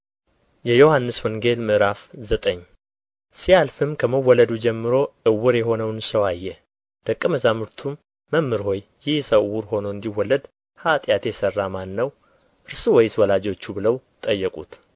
የዮሐንስ ወንጌል ምዕራፍ ዘጠኝ ሲያልፍም ከመወለዱ ጀምሮ ዕውር የሆነውን ሰው አየ ደቀ መዛሙርቱም መምህር ሆይ ይህ ሰው ዕውር ሆኖ እንዲወለድ ኃጢአት የሠራ ማን ነው እርሱ ወይስ ወላጆቹ ብለው ጠየቁት